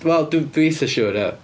Wel, dwi- dwi'n eitha siŵr, ia.